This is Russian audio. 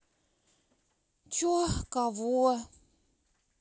чо каво